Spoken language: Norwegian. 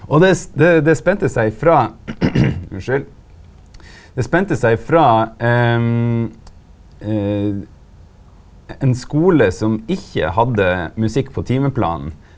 og det det det spende seg frå unnskyld, det spende seg frå ein skule som ikkje hadde musikk på timeplanen.